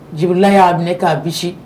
Jibirila ya minɛ ka bisi .